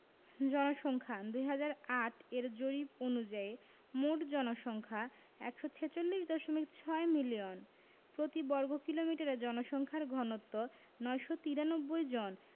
জনসংখ্যাঃ ২০০৮ এর জরিপ অনুযায়ী মোট জনসংখ্যা ১৪৬দশমিক ৬ মিলিয়ন প্রতি বর্গ কিলোমিটারে জনসংখ্যার ঘনত্ব ৯৯৩ জন